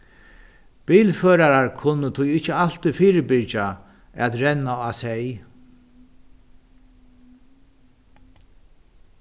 bilførarar kunnu tí ikki altíð fyribyrgja at renna á seyð